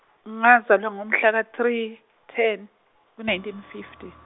ngazalwa ngomhla ka three, ten, ku- nineteen fifty.